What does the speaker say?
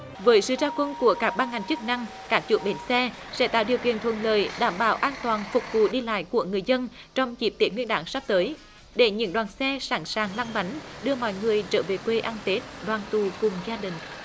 với sự ra quân của các ban ngành chức năng các chốt bến xe sẽ tạo điều kiện thuận lợi đảm bảo an toàn phục vụ đi lại của người dân trong dịp tết nguyên đán sắp tới để những đoàn xe sẵn sàng lăn bánh đưa mọi người trở về quê ăn tết đoàn tụ cùng gia đình